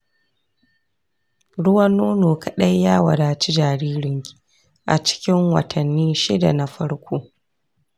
ruwan nono kaɗai ya wadanci jaririnki a cikin watanni shida na farko